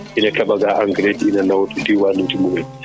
ina keɓa ga awdi ina nawa diwanuji mumen